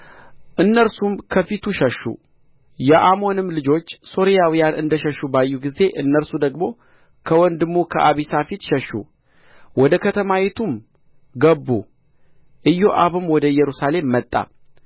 እነርሱም ከፊቱ ሸሹ አሞንም ልጆች ሶርያውያን እንደ ሸሹ ባዩ ጊዜ እነርሱ ደግሞ ከወንድሙ ከአቢሳ ፊት ሸሹ ወደ ከተማይቱም ገቡ ኢዮአብም ወደ ኢየሩሳሌም መጣ